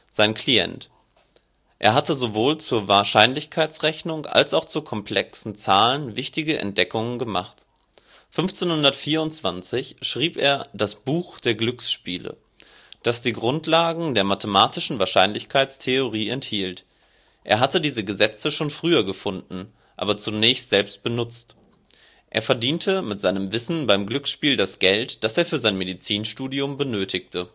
sein Klient. Er hat sowohl zur Wahrscheinlichkeitsrechnung als auch zu komplexen Zahlen wichtige Entdeckungen gemacht. 1524 schrieb er Das Buch der Glücksspiele (Liber de Ludo Aleae), das die Grundlagen der mathematischen Wahrscheinlichkeitstheorie enthielt. Er hatte diese Gesetze schon früher gefunden, aber zunächst selbst benutzt. Er verdiente mit seinem Wissen beim Glücksspiel das Geld, das er für sein Medizinstudium benötigte